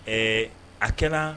Ee a kɛra